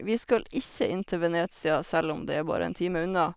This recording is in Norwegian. Vi skal ikke inn til Venezia selv om det er bare en time unna.